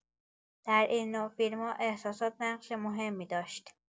در این نوع فیلم‌ها احساسات نقش مهمی داشت؛